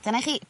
Dyna chi